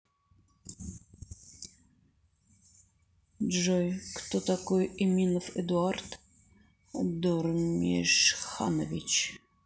джой кто такой эминов эдуард дурмишханович